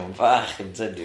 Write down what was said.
O bach yn tedious.